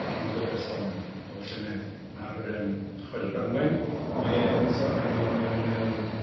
yn y gyfres hon o'r llynedd ar yym chwedl Branwan mae e yn so- yno yn yym